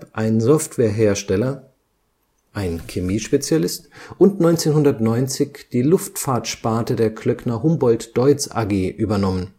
ein Software-Hersteller (Softlab), ein Chemiespezialist und 1990 die Luftfahrtsparte der Klöckner-Humboldt-Deutz AG übernommen